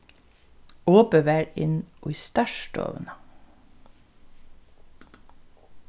opið var inn í starvsstovuna